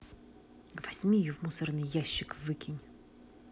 возьми ее в мусорный ящик выкинь